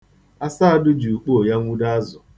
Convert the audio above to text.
Asadụ ji ukpoo ya nwụde azụ.